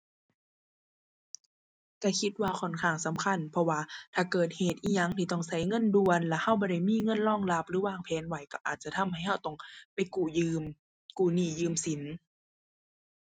ก็คิดว่าค่อนข้างสำคัญ เพราะว่าถ้าเกิดเหตุอิหยังที่ต้องก็เงินด่วน แล้วก็บ่ได้มีเงินรองรับหรือวางแผนไว้ก็อาจจะทำให้ก็ต้องไปกู้ยืม กู้หนี้ยืมสิน